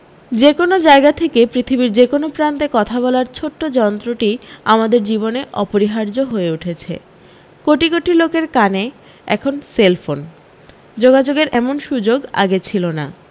যে কোনও জায়গা থেকে পৃথিবীর যে কোনও প্রান্তে কথা বলার ছোট্ট যন্ত্রটি আমাদের জীবনে অপরিহার্য্য হয়ে উঠেছে কোটি কোটি লোকের কানে এখন সেলফোন যোগাযোগের এমন সু্যোগ আগে ছিল না